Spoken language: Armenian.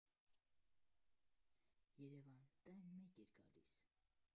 Երևան տարին մեկ էի գալիս։